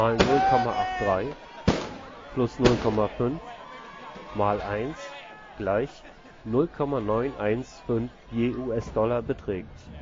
0,83+0,5 * 1 = 0,915 je US-Dollar beträgt